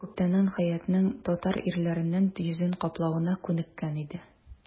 Лиза күптәннән Хәятның татар ирләреннән йөзен каплавына күнеккән иде.